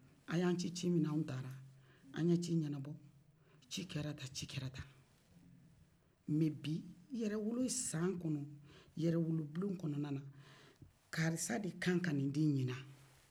a y'an ci ci min na anw taara an ye ci ɲɛnabɔ ci kɛra ta ci kɛra ta mɛ yɛrɛwolo san kɔnɔ yɛrɛwolobulon kɔnɔnan na karisa de ka kan ka ni di ɲina